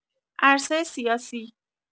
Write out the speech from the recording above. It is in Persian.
عرصه سیاسی